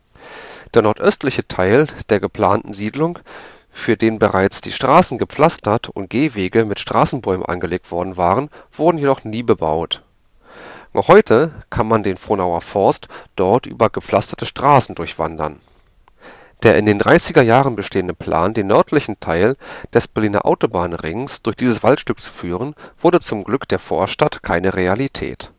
Der nordöstlichste Teil der geplanten Siedlung, für den bereits die Straßen gepflastert und Gehwege mit Straßenbäumen angelegt worden waren, wurde jedoch nie bebaut. Noch heute kann man den Frohnauer Forst dort über gepflasterte Straßen durchwandern. Der in den 1930er-Jahren bestehende Plan, den nördlichen Teil des Berliner Autobahnrings durch dieses Waldstück zu führen, wurde zum Glück der Vorstadt keine Realität. Im